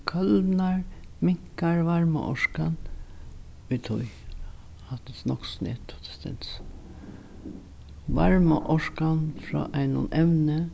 kólnar minkar varmaorkan í tí hatta er nokk so snedigt tað stendur so varmaorkan frá einum evni